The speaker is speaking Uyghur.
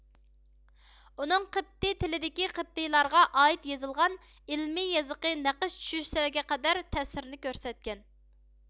ئۇنىڭ قېبتىي تىلىدىكى قېبتىيلارغا ئائىت يىزىلغان ئىلمى يىزىقى نەقىش چۈشۈرۈشلەرگە قەدەر تەسىرىنى كۆرسەتكەن